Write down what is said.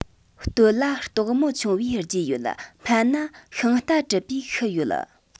སྟོད ལ སྟག མོ མཆོངས པའི རྗེས ཡོད སྨད ན ཤིང རྟ དྲུད པའི ཤུལ ཡོད